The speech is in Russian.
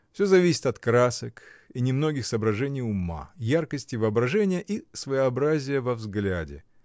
Всё зависит от красок и немногих соображений ума, яркости воображения и своеобразия во взгляде.